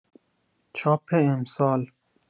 چاپ امسال